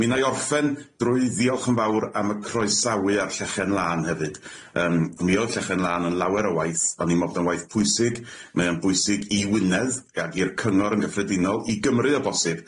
Mi wna i orffen drwy ddiolch yn fawr am y croesawu ar Llechen Lân hefyd, yym mi oedd Llechen Lân yn lawer o waith, o'n i'n meddwl bod o'n waith pwysig, mae o'n bwysig i Wynedd, ag i'r cyngor yn gyffredinol, i Gymru o bosib.